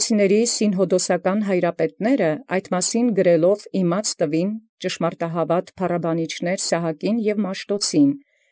Վասն որոյ սիւնհոդոսական հայրապետացն եկեղեցեացն սրբոց նշանակեալ՝ ազդ առնէին ճշմարտահաւատ փառաւորչացն Սահակայ և Մաշթոցի։